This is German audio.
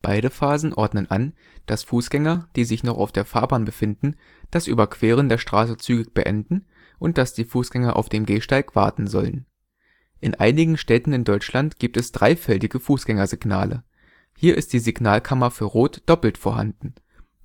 Beide Phasen ordnen an, dass Fußgänger, die sich noch auf der Fahrbahn befinden, das Überqueren der Straße zügig beenden und dass die Fußgänger auf dem Gehsteig warten sollen. In einigen Städten in Deutschland gibt es dreifeldige Fußgängersignale. Hier ist die Signalkammer für Rot doppelt vorhanden.